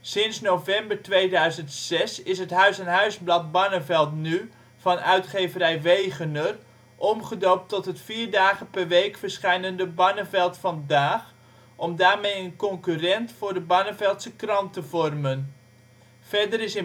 Sinds november 2006 is het huis-aan-huisblad Barneveld NU van uitgeverij Wegener omgedoopt tot het vier dagen per week verschijnende Barneveld Vandaag om daarmee een concurrent voor de Barneveldse Krant te vormen. Verder is